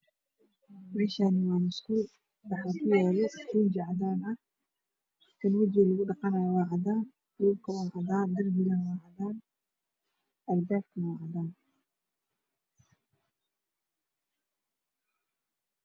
me Shani wa mus qul waxa kuyalo tuji cadana maha wiji ga lagu dha qa hayo wa cadan dhul ka wa cadan dar bi ga wa cadan albab ka wa cadan